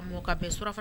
A mɔ ka bɛn surafana